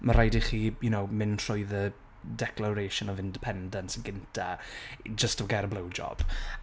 ma' raid i chi, you know, mynd trwy The Declaration of Independence yn gynta, jyst to get a blowjob.